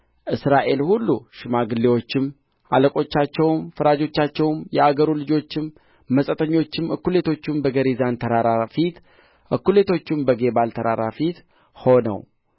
እስራኤል ሁሉ ሽማግሌዎቻቸውም አለቆቻቸውም ፈራጆቻቸውም የአገሩ ልጆችም መጻተኞችም እኩሌቶቹ በገሪዛን ተራራ ፊት እኩሌቶቹም በጌባል ተራራ ፊት ሆነው